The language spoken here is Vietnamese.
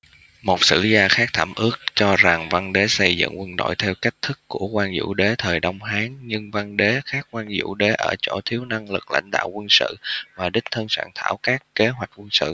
một sử gia khác thẩm ước đã cho rằng văn đế xây dựng quân đội theo cách thức của quang vũ đế thời đông hán nhưng văn đế khác quang vũ đế ở chỗ thiếu năng lực lãnh đạo quân sự và đích thân soạn thảo các kế hoạch quân sự